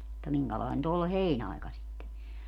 mutta minkälainen nyt olle heinäaika sitten